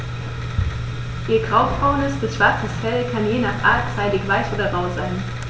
Ihr graubraunes bis schwarzes Fell kann je nach Art seidig-weich oder rau sein.